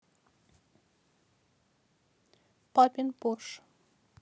папин порш